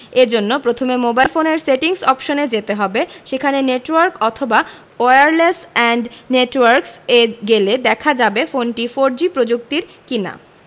এ জন্য প্রথমে মোবাইল ফোনের সেটিংস অপশনে যেতে হবে সেখানে নেটওয়ার্ক অথবা ওয়্যারলেস অ্যান্ড নেটওয়ার্কস এ গেলে দেখা যাবে ফোনটি ফোরজি প্রযুক্তির কিনা